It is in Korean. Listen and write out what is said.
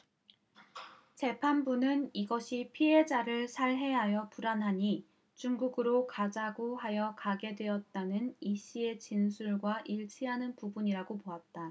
재판부는 이것이 피해자를 살해하여 불안하니 중국으로 가자고 하여 가게 되었다는 이씨의 진술과 일치하는 부분이라고 보았다